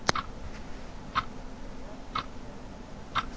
я кеша